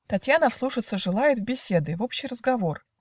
Татьяна вслушаться желает В беседы, в общий разговор